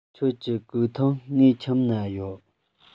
ཁྱོད ཀྱི གོས ཐུང ངའི ཁྱིམ ན ཡོད